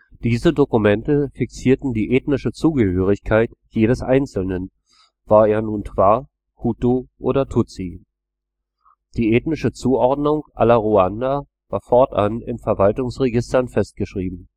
Diese Dokumente fixierten die ethnische Zugehörigkeit jedes Einzelnen, war er nun Twa, Hutu oder Tutsi. Die ethnische Zuordnung aller Ruander war fortan in Verwaltungsregistern festgeschrieben